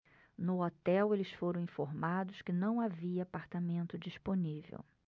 no hotel eles foram informados que não havia apartamento disponível